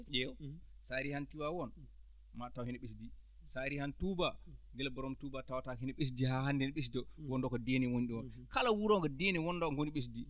ƴeew so a arii han Tivaoune maa a taw hene ɓesdii so a arii han Touba gila borom Touba tawataa ko no ɓesdii haa hannde ne ɓesdoo wonno ko diine woni ɗoon kala wuro ngo diine woni ɗo ngon ɓesnii